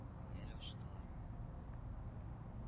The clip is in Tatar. Күңел ачтылар